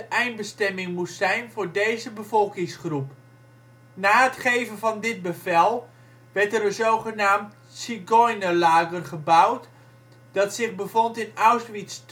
eindbestemming moest zijn voor deze bevolkingsgroep. Na het geven van dit bevel werd er een zogenaamd Zigeunerlager gebouwd dat zich bevond in Auschwitz